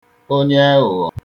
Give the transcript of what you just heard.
onyeẹghụghọ